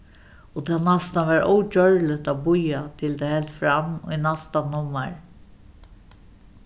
og tað næstan var ógjørligt at bíða til tað helt fram í næsta nummari